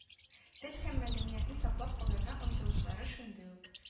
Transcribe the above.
Тел һәм мәдәниятне саклап калырга омтылышлары шундый ук.